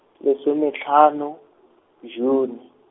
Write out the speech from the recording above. lesomehlano, June.